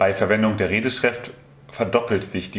Verwendung der Redeschrift verdoppelt sich